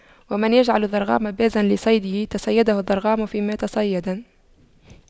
ومن يجعل الضرغام بازا لصيده تَصَيَّدَهُ الضرغام فيما تصيدا